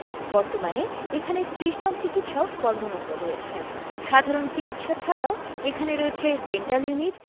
বর্তমানে এখানে ৩০ জন চিকিৎসক কর্মরত রয়েছেন সাধারণ চিকিৎসা ছাড়াও এখানে রয়েছে ডেন্টাল ইউনিট